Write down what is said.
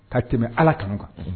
Ka tɛmɛ ala kan quoi